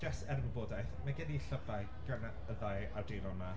Jyst er gwybodaeth, ma' gen i llyfrau gan y y ddau awduron 'ma.